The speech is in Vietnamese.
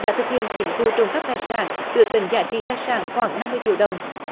đã thực hiện chín vụ trộm cắp tài sản được định giá trị tài sản khoảng năm mươi triệu đồng